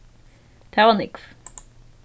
tað var nógv